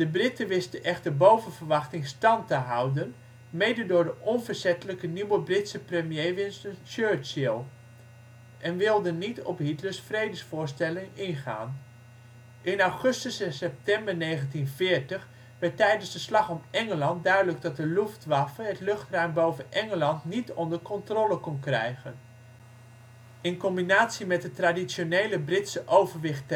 Britten wisten echter boven verwachting stand te houden, mede door de onverzettelijke nieuwe Britse premier Winston Churchill, en wilden niet op Hitlers vredesvoorstellen ingaan. In augustus en september 1940 werd tijdens de Slag om Engeland duidelijk dat de Luftwaffe het luchtruim boven Engeland niet onder controle kon krijgen; in combinatie met het traditionele Britse overwicht